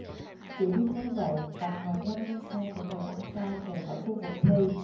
chỉ biết nói vậy đạt ngồi nhanh lên xe của người anh trai rời khỏi khu vực thi